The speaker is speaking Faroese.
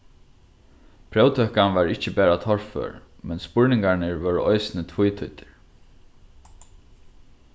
próvtøkan var ikki bara torfør men spurningarnir vóru eisini tvítýddir